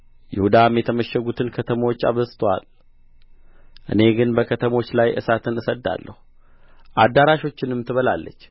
ይሁዳም የተመሸጉትን ከተሞች አብዝቶአል እኔ ግን በከተሞች ላይ እሳትን እሰድዳለሁ አዳራሾችንም ትበላለች